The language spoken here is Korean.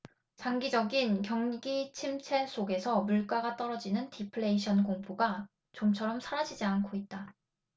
장기적인 경기침체 속에서 물가가 떨어지는 디플레이션 공포가 좀처럼 사라지지 않고 있다